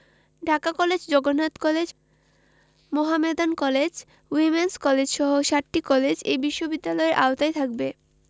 Dhaka college Jagannath college Mohammedan college women's কলেজসহ সাতটি college এ বিশ্ববিদ্যালয়ের আওতায় থাকবে